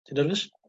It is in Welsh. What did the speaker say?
Ti'n nyrfys?